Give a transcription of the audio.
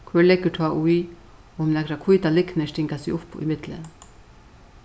hvør leggur tá í um nakrar hvítar lygnir stinga seg upp í millum